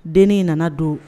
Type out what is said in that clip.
Den in nana don